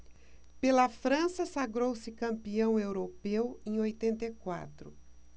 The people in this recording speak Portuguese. pela frança sagrou-se campeão europeu em oitenta e quatro